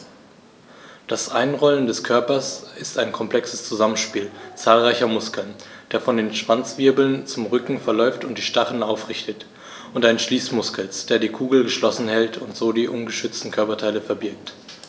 Das Einrollen des Körpers ist ein komplexes Zusammenspiel zahlreicher Muskeln, der von den Schwanzwirbeln zum Rücken verläuft und die Stacheln aufrichtet, und eines Schließmuskels, der die Kugel geschlossen hält und so die ungeschützten Körperteile verbirgt.